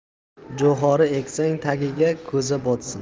jo'xori eksang tagiga ko'za botsin